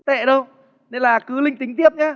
tệ đâu nên là cứ linh tính tiếp nhá